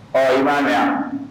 H i'a mɛn yan